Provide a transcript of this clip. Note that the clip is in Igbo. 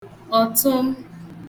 ọ̀tụm